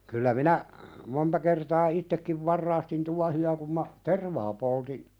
kyllä minä monta kertaa itsekin varastin tuohia kun minä tervaa poltin